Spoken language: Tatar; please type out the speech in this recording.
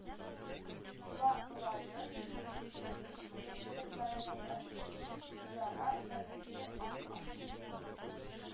Ла ыладыр ки, шушы өч көч бергәлегендә сүз – үзара бәйләүче, аң ашу